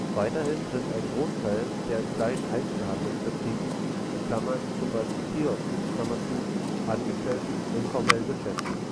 Weiterhin sind ein Großteil der in kleinen Einzelhandelsbetrieben (zum Beispiel Kiosken) Angestellten informell beschäftigt